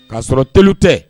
Ka sɔrɔ tolu tɛ.